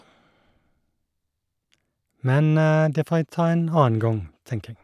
Men det får en ta en annen gang, tenker jeg.